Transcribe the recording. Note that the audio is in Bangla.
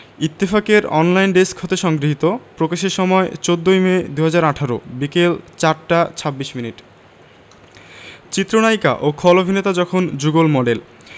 ইত্তেফাক এর অনলাইন ডেস্ক হতে সংগৃহীত প্রকাশের সময় ১৪ই মে ২০১৮ বিকেল ৪টা ২৬ মিনিট চিত্রনায়িকা ও খল অভিনেতা যখন যুগল মডেল